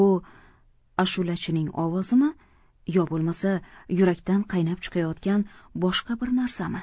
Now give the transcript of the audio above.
bu ashulachining ovozimi yo bo'lmasa yurakdan qaynab chiqayotgan boshqa bir narsami